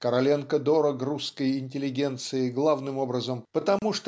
Короленко дорог русской интеллигенции главным образом потому